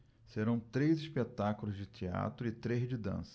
serão três espetáculos de teatro e três de dança